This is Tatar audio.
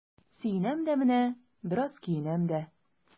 Сөенәм дә менә, бераз көенәм дә.